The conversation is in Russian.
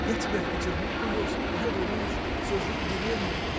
-- Я тебя в Петербург увез, а Федор Иваныч все жил в деревне.